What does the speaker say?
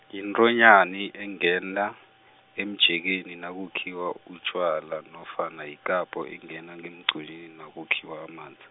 yintonyani engena, emjekeni nakukhiwa utjwala nofana yikapho engena ngemgqonyini nakukhiwa amanzi.